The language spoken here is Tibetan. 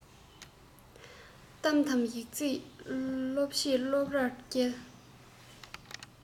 གཏམ དང ཡིག རྩིས སློབ ཆེད སློབ རར བསྐྱེལ